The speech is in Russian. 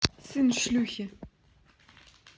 сын шлюхи